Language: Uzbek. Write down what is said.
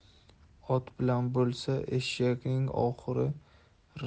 ot bilan bo'lsa eshakning oxuri